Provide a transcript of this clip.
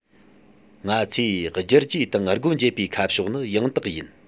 ང ཚོས བསྒྱུར བཅོས དང སྒོ འབྱེད པའི ཁ ཕྱོགས ནི ཡང དག ཡིན